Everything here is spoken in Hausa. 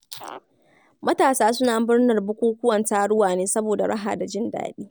Matasa suna murnar bukukuwan Turawa ne saboda raha da jin daɗi.